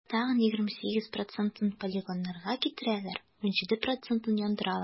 Тагын 28 процентын полигоннарга китерәләр, 17 процентын - яндыралар.